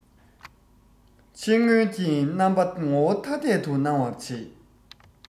ཕྱིར མངོན གྱི རྣམ པ ངོ བོ ཐ དད དུ སྣང བར བྱེད